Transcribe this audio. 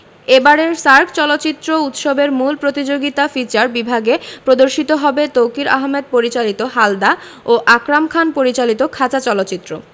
এবারের সার্ক চলচ্চিত্র উৎসবের মূল প্রতিযোগিতা ফিচার বিভাগে প্রদর্শিত হবে তৌকীর আহমেদ পরিচালিত হালদা ও আকরাম খান পরিচালিত খাঁচা চলচ্চিত্র